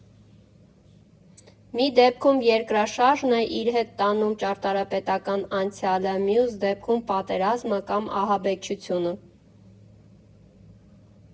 Մի դեպքում երկրաշարժն է իր հետ տանում ճարտարապետական անցյալը, մյուս դեպքում՝ պատերազմը կամ ահաբեկչությունը։